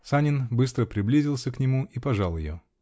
Санин быстро приблизился к нему -- и пожал ее.